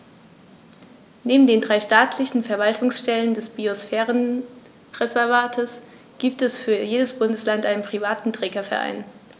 Neben den drei staatlichen Verwaltungsstellen des Biosphärenreservates gibt es für jedes Bundesland einen privaten Trägerverein.